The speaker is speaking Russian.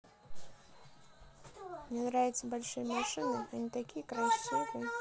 мне нравятся большие машины а они такие красивые